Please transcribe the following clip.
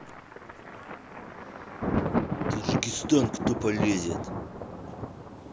таджикистан кто полезет